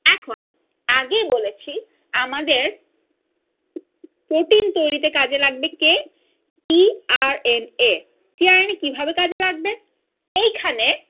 এখন আগেই বলেছি আমাদের প্রোটিন তৈরিতে কাজে লাগবে কে T R N A T R N A কিভাবে কাজে লাগবে এইখানে